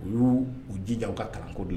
U y'u u jija u ka kalanko de ye